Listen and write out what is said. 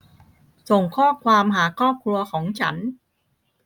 ส่งข้อความหาครอบครัวของฉัน